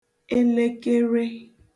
elekere